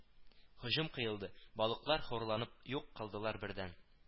Һөҗүм кыйлды, балыклар хурланып юк кылдылар бердән